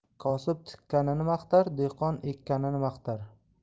kosib tikkanini maqtar dehqon ekkanini maqtar